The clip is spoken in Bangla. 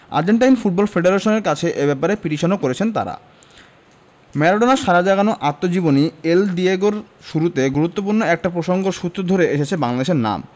আর্জেন্টাইন ফুটবল ফেডারেশনের কাছে এ ব্যাপারে পিটিশনও করেছেন তাঁরা ম্যারাডোনার সাড়া জাগানো আত্মজীবনী এল ডিয়েগো র শুরুতেই গুরুত্বপূর্ণ একটা প্রসঙ্গের সূত্র ধরে এসেছে বাংলাদেশের নাম